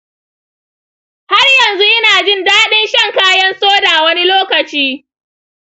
haryanzu inajin daɗin shan kayan soda wani lokaci.